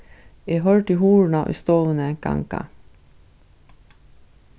eg hoyrdi hurðina í stovuni ganga